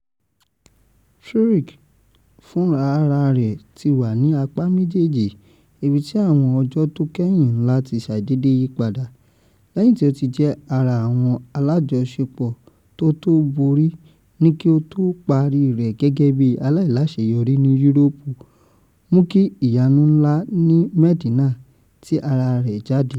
Furyk funra ara rẹ ti wà ní apá méjèèjì ibi ti àwọn ọjọ́ tó kẹ́hìn ńlá ti ṣàdédé yípadà, lẹ́yìn tí ó ti jẹ́ ara àwọn alájọṣepọ̀tó tò borí ní kí ó tó parí rẹ̀ gẹ́gẹ́bí aláìláṣeyọrí ní Yúrópù mú kí “Ìyànu ńlá ní Mẹ̀dínà” ti ara rẹ̀ jáde.